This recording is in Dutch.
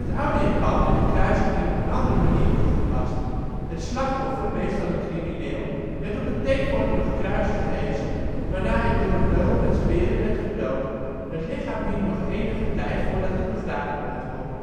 oude Japan werd de kruisiging op een andere manier toegepast. Het slachtoffer (meestal een crimineel) werd op een T-vormig kruis gehesen, waarna hij door een beul met speren werd gedood. Het lichaam hing nog enige tijd voordat het begraven mocht worden